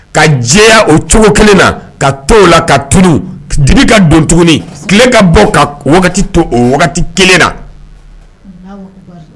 Ka jɛya o cogo kelen na ka to o la ka tulu di ka don tuguni tile ka bɔ ka wagati to o wagati kelen na